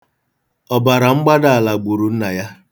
Ọbaramgbaala gburu nna ya.